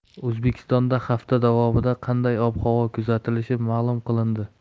o'zbekistonda hafta davomida qanday ob havo kuzatilishi ma'lum qilindi